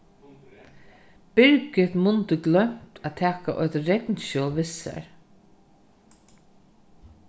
birgit mundi gloymt at taka eitt regnskjól við sær